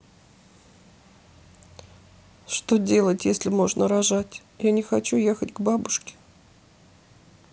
что делать если можно рожать я не хочу ехать к бабушке